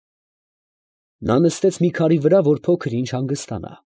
Նա նստեց մի քարի վրա, որ փոքր ինչ հանգստանա։